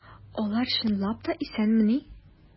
Алар чынлап та исәнмени?